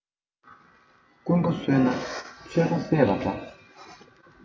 རྐུན པོ གསོས ན ཆོས པ བསད པ འདྲ